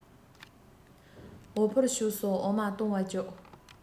འོ ཕོར ཕྱོགས སུ འོ མ བཏུང བར བརྒྱུགས